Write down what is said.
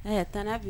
ƐƐ tante